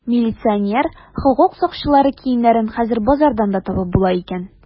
Милиционер, хокук сакчылары киемнәрен хәзер базардан да табып була икән.